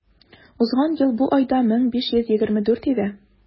Узган ел бу айда 1524 иде.